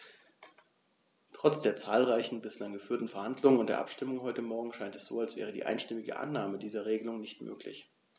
Trotz der zahlreichen bislang geführten Verhandlungen und der Abstimmung heute Morgen scheint es so, als wäre die einstimmige Annahme dieser Regelung nicht möglich.